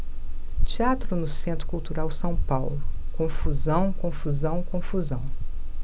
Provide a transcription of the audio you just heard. teatro no centro cultural são paulo confusão confusão confusão